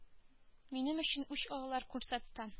Минем өчен үч алалар курсанттан